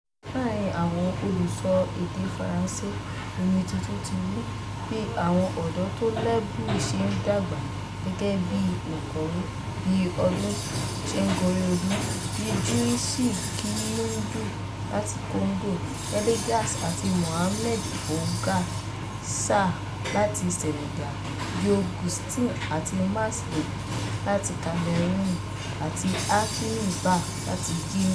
Láàárín àwọn olùsọ èdè Faransé, omi tuntun ti ń rú, bí àwọn ọ̀dọ́ tó lẹ́bùn ṣe ń dàgbà gẹ́gẹ́ bíi òǹkọ̀wé bí ọdún ṣe ń gorí ọdún, bíi Jussy Kiyindou láti Congo, Elgas àti Mohamed Mbougar Sarr láti Sénégal, Jo Güstin àti Max Lobé láti Cameroon, àti Hakim Bah láti Guinea.